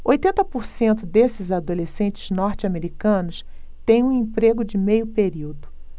oitenta por cento desses adolescentes norte-americanos têm um emprego de meio período